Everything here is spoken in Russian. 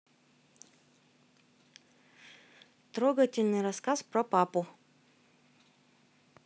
трогательный рассказ про папу